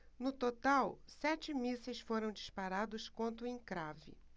no total sete mísseis foram disparados contra o encrave